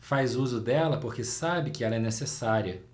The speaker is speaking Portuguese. faz uso dela porque sabe que ela é necessária